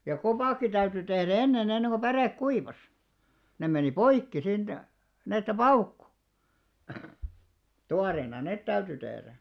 ja kopatkin täytyi tehdä ennen ennen kuin päre kuivasi ne meni poikki siitä niin että paukkui tuoreena ne täytyi tehdä